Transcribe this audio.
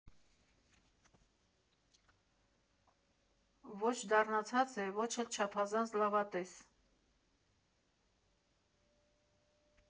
Ոչ դառնացած է, ոչ էլ չափազանց լավատես։